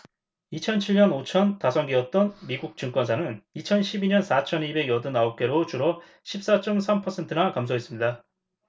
이천 칠 년 오천 다섯 개였던 미국 증권사는 이천 십 이 년 사천 이백 여든 아홉 개로 줄어 십 사 쩜 삼 퍼센트나 감소했습니다